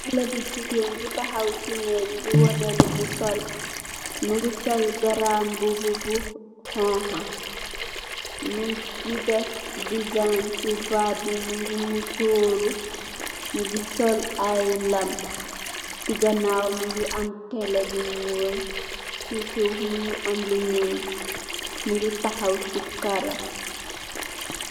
Xale bu jigeen bu tahaw si neeg di wane lum sol, mingi sol garambubu bu hunha, mingi daf desayin si baat bi, mungi musooru, mungi sol ay lam, si ganaaw mingi am tele bu nyuul, si soof mingi am lu nyuul, mingi tahaw si karo